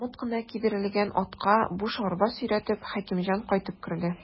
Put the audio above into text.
Камыт кына кидерелгән атка буш арба сөйрәтеп, Хәкимҗан кайтып керде.